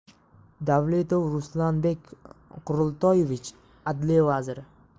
davletov ruslanbek quroltoyevich adliya vaziri